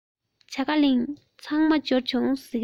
ཇ ག ལི ཚང མ འབྱོར བྱུང